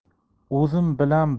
o'zim bilan bir